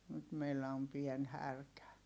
nyt meillä on pieni härkä